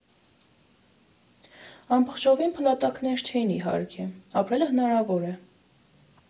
Ամբողջովին փլատակներ չէին իհարկե, ապրել հնարավոր էր։